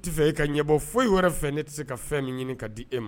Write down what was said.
N t tɛ fɛ e ka ɲɛbɔ foyi i wɛrɛ fɛ ne tɛ se ka fɛn min ɲini ka d di e ma